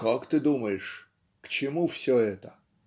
Как ты думаешь, к чему все это?